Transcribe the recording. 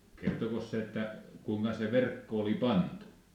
kertoiko se että kuinka se verkko oli pantu